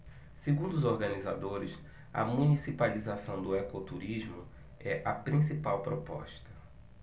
segundo os organizadores a municipalização do ecoturismo é a principal proposta